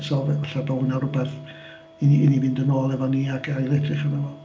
So falle bod hwnna'n rywbeth i ni i ni fynd yn ôl efo ni ac ail-edrych arno fo.